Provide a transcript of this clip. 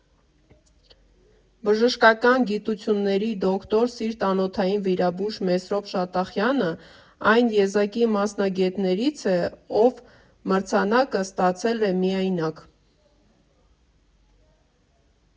Բժշկական գիտությունների դոկտոր, սիրտանոթային վիրաբույժ Մեսրոպ Շատախյանը այն եզակի մասնագետներից է, ով մրցանակը ստացել է միայնակ։